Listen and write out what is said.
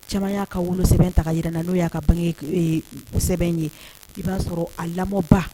Caman y'a ka wu sɛbɛn ta jira n'o y'a sɛbɛn ye i b'a sɔrɔ a lamɔba